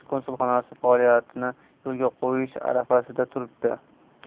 konsulxonasi faoliyatini yo'lga qo'yish arafasida turibdi